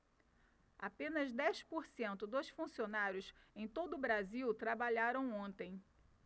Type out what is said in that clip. apenas dez por cento dos funcionários em todo brasil trabalharam ontem